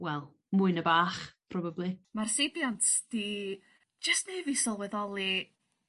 Wel mwy na bach probably. Mae'r seibiant 'di jyst neu' fi sylweddoli